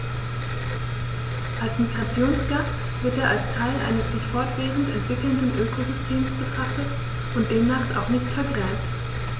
Als Migrationsgast wird er als Teil eines sich fortwährend entwickelnden Ökosystems betrachtet und demnach auch nicht vergrämt.